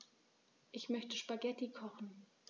Ich möchte Spaghetti kochen.